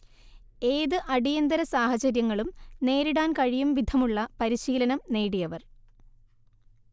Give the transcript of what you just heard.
ഏത് അടിയന്തര സാഹചര്യങ്ങളും നേരിടാൻ കഴിയുംവിധമുള്ള പരിശീലനം നേടിയവർ